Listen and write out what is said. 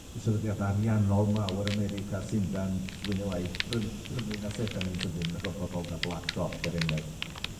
sefydliada ariannol mawr America a Llundan sy mwy ne' lai pryn- prynu'n 'dach chi'n gwbod pobol 'tha Black Rock er enghraifft.